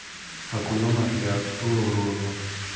акуленок я ту ру ру ру